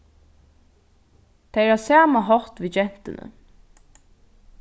tað er á sama hátt við gentuni